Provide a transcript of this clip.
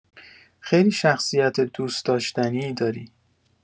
خیلی شخصیت دوست‌داشتنی داری